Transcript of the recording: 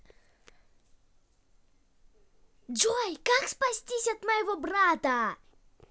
джой как спастись от моего брата